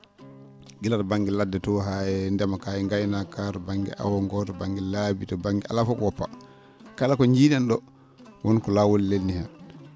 gila to ba?nge ladde to haa e ndema kaa e ngaynaaka kaa to ba?nge awo no to ba?nge laabi to ba?nge alaa fof ko woppaa kala ko njii?en ?o wonko laawol lelni heen